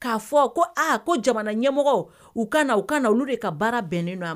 K'a fɔ ko aa ko jamana ɲɛmɔgɔ u kana u kana na olu de ka baara bɛnnen nɔ